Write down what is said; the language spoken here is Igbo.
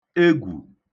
egwù